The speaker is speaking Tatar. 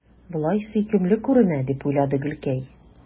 Болай сөйкемле күренә, – дип уйлады Гөлкәй.